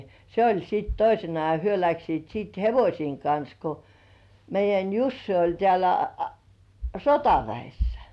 se oli sitten toisena ja he lähtivät sitten hevosten kanssa kun meidän Jussi oli täällä sotaväessä